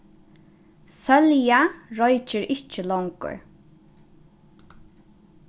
sólja roykir ikki longur